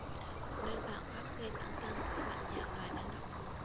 nơi bạn phát huy bản thân mạnh dạn và năng động hơn